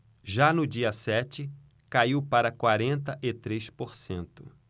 já no dia sete caiu para quarenta e três por cento